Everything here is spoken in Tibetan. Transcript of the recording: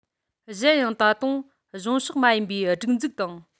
གཞན ཡང ད དུང གཞུང ཕྱོགས མ ཡིན པའི སྒྲིག འཛུགས དང